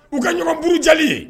U ka ɲɔgɔnuru ja ye